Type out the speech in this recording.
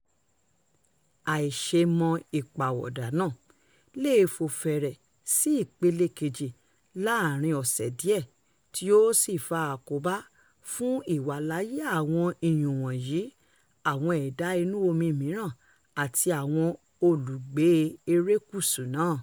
A ì í ṣe é mọ̀, ìpàwọ̀dà náà lè fò fẹ̀rẹ̀ sí ìpele kejì láàárín ọ̀sẹ̀ díẹ̀, tí yóò sì fa àkóbá fún ìwàláàyè àwọn iyùn wọ̀nyí, àwọn ẹ̀dá inú omi mìíràn àti àwọn olùgbé erékùṣù náà.